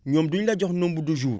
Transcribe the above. ñoom du ñu la jox nombre de jour